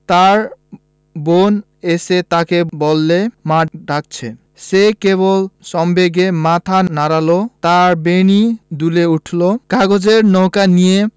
তার বোন এসে তাকে বললে মা ডাকছে সে কেবল সবেগে মাথা নাড়ল তার বেণী দুলে উঠল কাগজের নৌকো নিয়ে